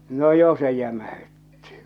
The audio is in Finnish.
no jo se jämäytti